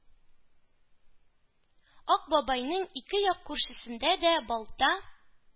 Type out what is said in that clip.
Ак бабайның ике як күршесендә дә балта,